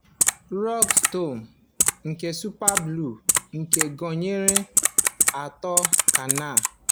2. "Rag Storm" nke Super Blue, nke gụnyere 3 Canal